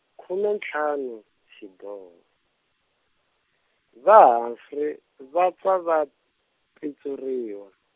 khume ntlhanu, xiboho, va Humphrey va pfa va, pitsuriwa.